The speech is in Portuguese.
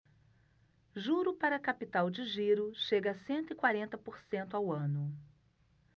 juro para capital de giro chega a cento e quarenta por cento ao ano